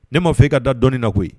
Ne m'a fɔ e ka da dɔni na koyi